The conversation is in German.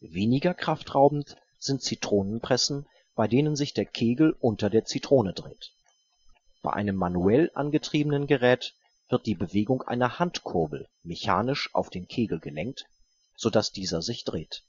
Weniger kraftraubend sind Zitronenpressen, bei denen sich der Kegel unter der Zitrone dreht. Bei einem manuell angetriebenen Gerät wird die Bewegung einer Handkurbel mechanisch auf den Kegel gelenkt, so dass dieser sich dreht